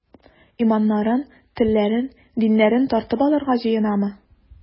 Иманнарын, телләрен, диннәрен тартып алырга җыенамы?